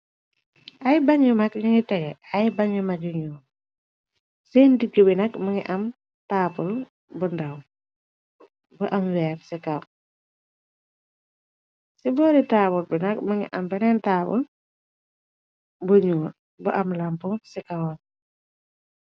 Ay bañ yu mag ñuñy tege ay bañu maju ñuu seen digg bi nag a bor taabr b nag më ngi am bereen taabal buñyul bu am lamp ci cawam.